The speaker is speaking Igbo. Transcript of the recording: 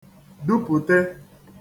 dupụ̀te